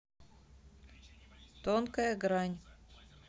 тонкая грань